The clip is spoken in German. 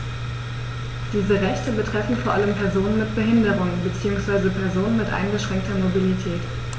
Diese Rechte betreffen vor allem Personen mit Behinderung beziehungsweise Personen mit eingeschränkter Mobilität.